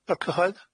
Y cyhoedd?